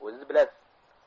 o'zingiz bilasiz